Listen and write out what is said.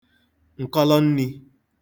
ǹkọlọnrī